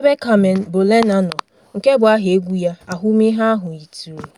N'ebe Carmen Bolena nọ, nke bụ aha egwu ya, ahụmihe ahụ yituru.